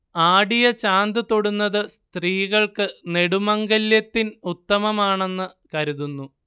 ആടിയ ചാന്ത് തൊടുന്നത് സ്ത്രീകൾക്ക് നെടുമംഗല്യത്തിൻ ഉത്തമമാണെന്ന് കരുതുന്നു